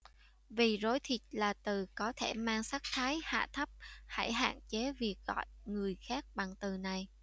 vì rối thịt là từ có thể mang sắc thái hạ thấp hãy hạn chế việc gọi người khác bằng từ này